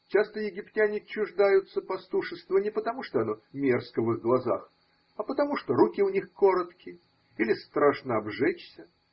Часто египтяне чуждаются пастушества не потому, что оно мерзко в их глазах, а потому, что руки у них коротки или страшно обжечься.